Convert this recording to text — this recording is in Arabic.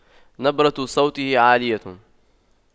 نبرة صوته عالية